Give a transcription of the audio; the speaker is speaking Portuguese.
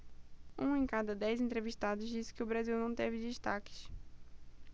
um em cada dez entrevistados disse que o brasil não teve destaques